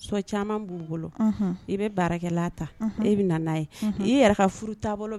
Soit caaman b'u bolo unhun i bɛ baarakɛla ta unhun i be nana ye i yɛrɛ ka furu taabolo b